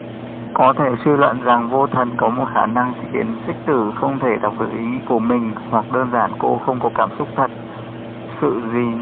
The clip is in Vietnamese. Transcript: có thể suy luận rằng vô thần có một khả năng khiến xích tử không thể đọc được ý nghĩ của mình hoặc đơn giản cô không có cảm xúc thật sự gì